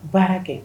Baara kɛ